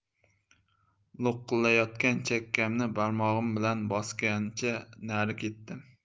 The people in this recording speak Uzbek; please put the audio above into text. lo'qillayotgan chakkamni barmog'im bilan bosgancha nari ketdim